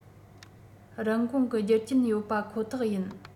རིན གོང གི རྒྱུ རྐྱེན ཡོད པ ཁོ ཐག ཡིན